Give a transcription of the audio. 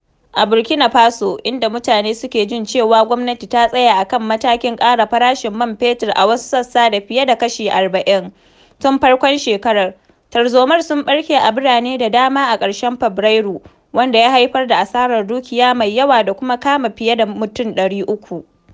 A Burkina Faso, inda mutane suke jin cewa gwamnati ta tsaya akan matakin ƙara farashin man fetur a wasu sassa da fiye da kashi 40% tun farkon shekarar, tarzoma sun ɓarke a birane da dama a ƙarshen Fabrairu, wanda ya haifar da asarar dukiya mai yawa da kuma kama fiye da mutum 300.